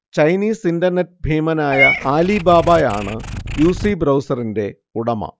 Chinese internet ഭീമനായ ആലിബാബയാണ് UC ബ്രൗസറിന്റെ ഉടമ